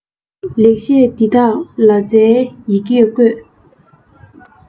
ལེགས བཤད འདི དག ལ ཙའི ཡི གེར བཀོད